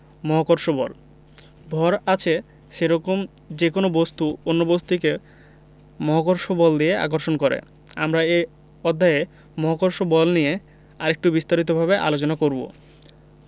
মহাকর্ষ বল ভর আছে সেরকম যেকোনো বস্তু অন্য বস্তুকে মহাকর্ষ বল দিয়ে আকর্ষণ করে আমরা এই অধ্যায়ে মহাকর্ষ বল নিয়ে আরেকটু বিস্তারিতভাবে আলোচনা করব